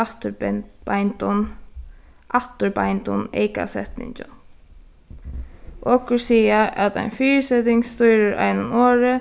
beindum afturbeindum eykasetningum okur siga at ein fyriseting stýrir einum orði